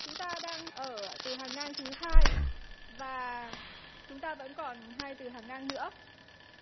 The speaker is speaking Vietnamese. chúng ta đang ở từ hàng ngang thứ hai và chúng ta vẫn còn hai từ hàng ngang nữa